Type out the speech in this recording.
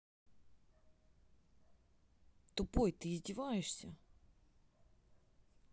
тупой ты издеваешься